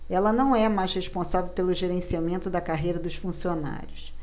ela não é mais responsável pelo gerenciamento da carreira dos funcionários